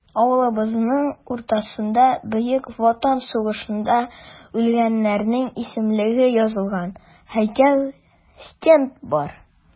Авылыбызның уртасында Бөек Ватан сугышында үлгәннәрнең исемлеге язылган һәйкәл-стенд бар.